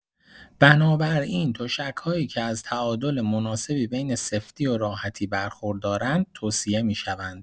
بنابراین، تشک‌هایی که از تعادل مناسبی بین سفتی و راحتی برخوردارند، توصیه می‌شوند.